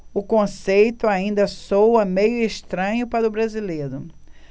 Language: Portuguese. o conceito ainda soa meio estranho para o brasileiro